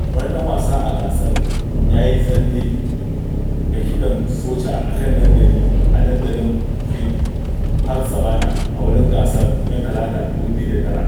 Wani ɗan wasa a gasar, "ya yi tsalle" ga kiɗan soca a kan dandali a dandalin ƙueen's Park Saɓannah, a wurin gasar, ran Talata, 2009.